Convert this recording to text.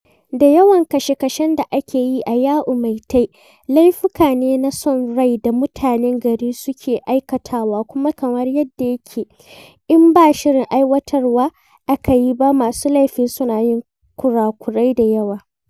Da yawan kashe-kashen da ake yi a Yau Ma Tei laifuka ne na son rai da mutanen gari suke aikatawa, kuma kamar yadda yake in ba shirin aiwatarwa aka yi ba, masu laifin suna yin kurakurai da yawa.